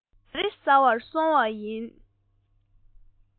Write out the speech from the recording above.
ག རེ ཟ བར སོང བ ཡིན